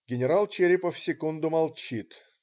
Генерал Черепов секунду молчит.